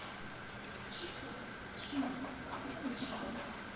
салют когда будет моя мама